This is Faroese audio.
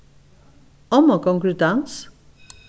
omma gongur í dans